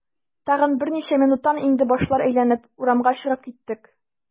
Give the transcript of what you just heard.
Тагын берничә минуттан инде башлар әйләнеп, урамга чыгып киттек.